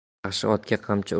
yaxshi otga qamchi